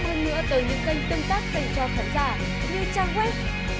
nữa tới những kênh tương tác dành cho khán giả như trang goép